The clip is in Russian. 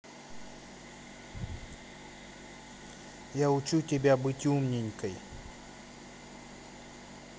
я учу тебя быть умненькой